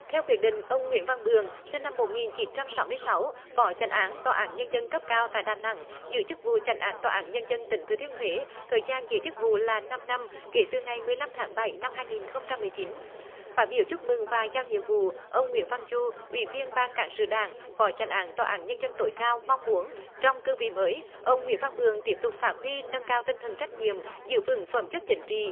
theo quyết định ông nguyễn văn bường sinh năm một nghìn chín trăm sáu mươi sáu phó chánh án tòa án nhân dân cấp cao tại đà nẵng giữ chức vụ chánh án tòa án nhân dân tỉnh thừa thiên huế thời gian giữ chức vụ là năm năm kể từ ngày mười lăm tháng bảy năm hai nghìn không trăm mười chín phát biểu chúc mừng và giao nhiệm vụ ông nguyễn văn du ủy viên ban cán sự đảng phó chánh án tòa án nhân dân tối cao mong muốn trong cương vị mới ông nguyễn văn bường tiếp tục phát huy nâng cao tinh thần trách nhiệm giữ vững phẩm chất chính trị